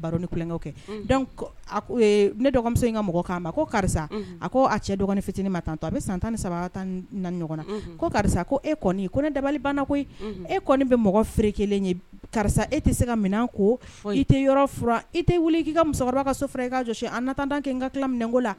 baro nikɛ kɛ ne dɔgɔmuso in ka mɔgɔ a ma ko karisa a ko a cɛ dɔgɔnin fitinin ma tan to a bɛ san tan ni saba tan na ɲɔgɔn na ko karisa ko e kɔni ko ne dabali koyi e kɔni bɛ mɔgɔ feere kelen ye karisa e tɛ se ka minɛn ko e tɛ yɔrɔ fura e tɛ wuli k'i ka musokɔrɔba ka so i ka an na tantan k'i ka tila minɛ ko la